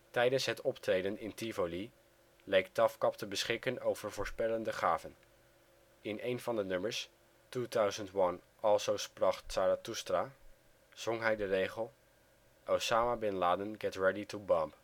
Tijdens het optreden in Tivoli leek TAFKAP te beschikken over voorspellende gaven. In een van de nummers, 2001: Also Sprach Zarathustra, zong hij de regel: " Osama Bin Laden get ready to bomb